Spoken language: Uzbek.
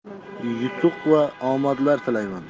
yutuq va omadlar tilayman